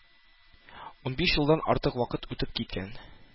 Унбиш елдан артык вакыт үтеп киткән